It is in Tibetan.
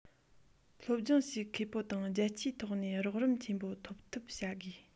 སློབ སྦྱོང བྱེད མཁས པོ དང རྒྱལ སྤྱིའི ཐོག ནས རོགས རམ ཆེན པོ འཐོབ ཐབས བྱ དགོས